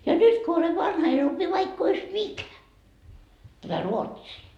ja nyt kun olen vanha en opi vaikka olisi mikä tätä ruotsia